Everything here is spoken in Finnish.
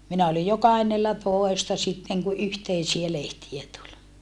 minä olin jo kahdennellatoista sitten kun yhteisiä lehtiä tuli